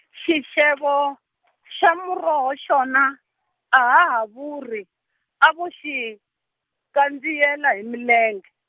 xixevo, xa muroho xona, a ha ha vuri, a vo xikandziyela hi milenge.